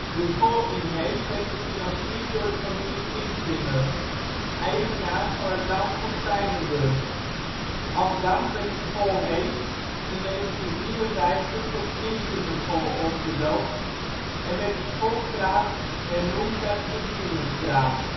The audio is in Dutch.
De school in Hees werd gefinancierd door de familie Insinger, eigenaars van het landgoed Pijnenburg. Als dank werd de School Hees in 1954 tot Insingerschool omgedoopt en werd de Schoolstraat hernoemd in Insingerstraat